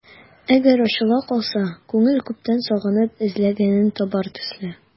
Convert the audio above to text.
Әгәр ачыла калса, күңел күптән сагынып эзләгәнен табар төсле...